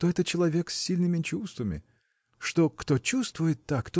что это человек с сильными чувствами что кто чувствует так